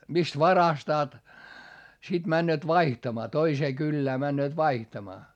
mistä varastavat sitten menevät vaihtamaan toiseen kylään menevät vaihtamaan